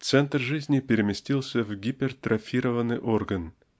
Центр жизни переместился в гипертрофированный орган.